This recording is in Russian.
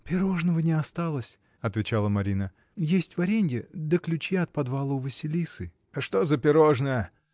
— Пирожного не осталось, — отвечала Марина, — есть варенье, да ключи от подвала у Василисы. — Что за пирожное!